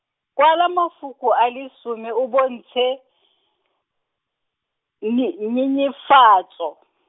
kwala mafoko a le some o bontshe , nye- nyenyefatso.